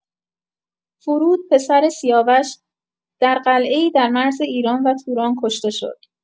فرود، پسر سیاوش، در قلعه‌ای در مرز ایران و توران کشته شد.